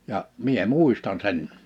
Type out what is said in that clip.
ja minä muistan sen